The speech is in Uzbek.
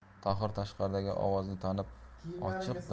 tohir tashqaridagi ovozni tanib ochiq